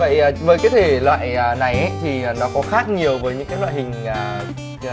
vậy với cái thể loại này ý thì nó có khác nhiều với những cái loại hình à